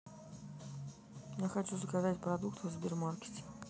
я хочу заказать продукты в сбермаркете